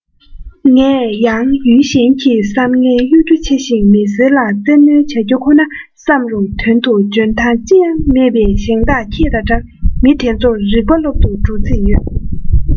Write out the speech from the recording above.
ངས ཡང ཡུལ གཞན གྱི བསམ ངན གཡོ སྒྱུ ཆེ ཞིང མི སེར ལ བཙིར གནོན བྱ རྒྱུ ཁོ ན བསམ རུང དོན དུ འཇོན ཐང ཅི ཡང མེད པའི ཞིང བདག ཁྱེད དང འདྲ བའི མི དེ ཚོར རིག པ སློབ ཏུ འགྲོ ཙིས ཡོད